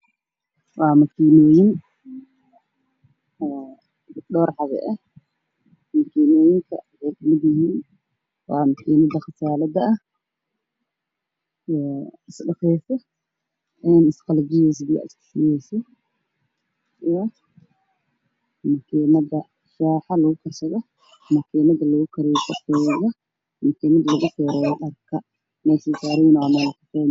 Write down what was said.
Waa makiinadihii iyo dhawr caday wa makiinadii qasaladaha